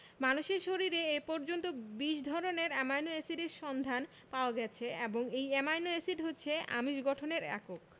মানুষের শরীরে এ পর্যন্ত ২০ ধরনের অ্যামাইনো এসিডের সন্ধান পাওয়া গেছে এবং এই অ্যামাইনো এসিড হচ্ছে আমিষ গঠনের একক